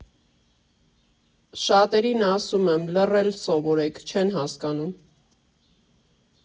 Շատերին ասում եմ՝ լռել սովորեք, չեն հասկանում։